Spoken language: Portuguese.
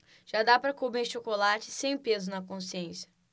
já dá para comer chocolate sem peso na consciência